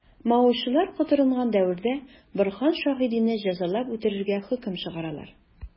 Маочылар котырынган дәвердә Борһан Шәһидине җәзалап үтерергә хөкем чыгаралар.